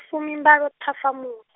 fumimalo thafamuh-.